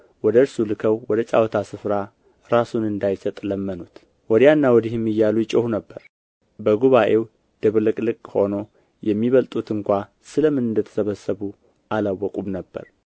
ወደ እርሱ ልከው ወደ ጨዋታ ስፍራ ራሱን እንዳይሰጥ ለመኑት ወዲያና ወዲህም እያሉ ይጮኹ ነበር በጉባኤው ድብልቅልቅ ሆኖ የሚበልጡት ስንኳ ስለ ምን እንደተሰበሰቡ አላወቁም ነበርና